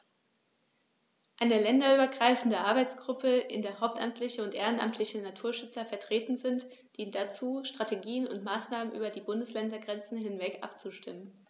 Eine länderübergreifende Arbeitsgruppe, in der hauptamtliche und ehrenamtliche Naturschützer vertreten sind, dient dazu, Strategien und Maßnahmen über die Bundesländergrenzen hinweg abzustimmen.